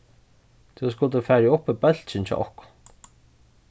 tú skuldi farið upp í bólkin hjá okkum